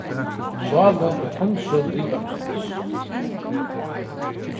sálin er fongsul likamsins